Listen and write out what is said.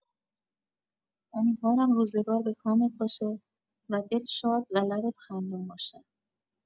امیدوارم روزگار به کامت باشه و دل شاد و لبت خندون باشه